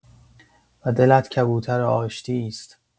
و دلت کبوتر آشتی است.